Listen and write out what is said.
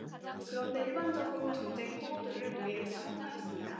그런데 일반적으로 전쟁 포로들을 노예로 사용하였습니다